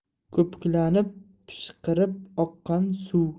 ko'piklanib pishqirib oqqan suv